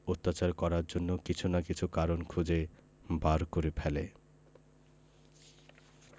অত্যাচার করার জন্য কিছু না কিছু কারণ খুঁজে বার করে ফেলে